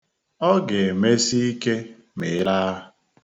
Ọ ga-emesi ike ma ị laa.